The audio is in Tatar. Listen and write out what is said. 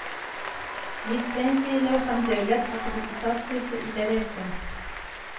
Лицензияләү һәм дәүләт аккредитациясе идарәсе